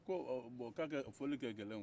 bon k'a fɔli ka gɛlɛn